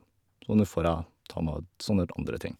Så nå får jeg ta meg av sånn der andre ting.